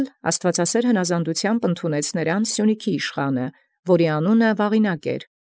Եւ անդ աստուածասէր հնազանդութեամբ ընկալեալ զնա իշխանին Սիւնեաց, որ էր Վաղենակ անուն։